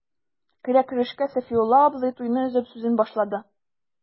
Керә-керешкә Сафиулла абзый, туйны өзеп, сүзен башлады.